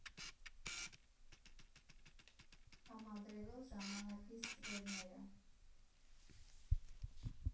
Համադրելով «Ժամանակի Ստվերները»